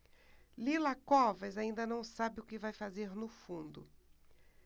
lila covas ainda não sabe o que vai fazer no fundo